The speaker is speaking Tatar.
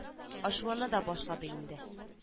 Ачулана да башлады инде